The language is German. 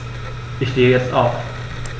Ich stehe jetzt auf.